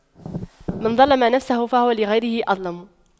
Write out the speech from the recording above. من ظَلَمَ نفسه فهو لغيره أظلم